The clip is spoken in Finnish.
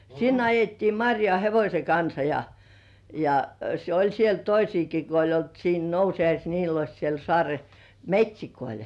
sinne ajettiin marjaan hevosen kanssa ja ja se oli siellä toisiakin kun oli ollut siinä Nousiais Niilossa siellä - metsiköillä